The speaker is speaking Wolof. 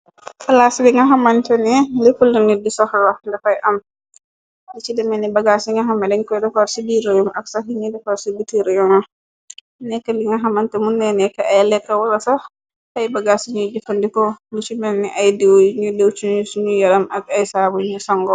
Palaas bi nga xamañtene leppalna nir di soxala dafay am di ci demee ni bagaas yi nga xame lañ koy defar ci biroyum ak saxi ni defar ci bitireon nekk li nga xamante muneeneeka ay leetra wala sax fay bagaas yi ñuy jëfandikoo lu ci menni ay diiw yi ñu dëw cuñu suñu yaram ak ay saabuy ñu sango.